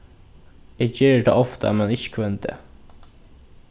eg geri tað ofta men ikki hvønn dag